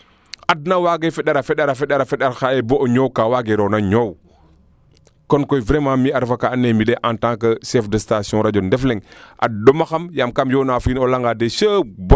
adna waage fendara fendar fendar xaye boo o ñoow kaa wageroona ñoow kon koy vraiment mi a refa kaa ando naye mi de en tant que chef de station radio Ndefleng a ndama xam yaam kam yoona fo wiin we o leya nga de sheut boy